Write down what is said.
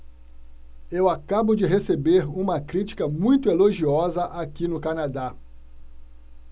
eu acabo de receber uma crítica muito elogiosa aqui no canadá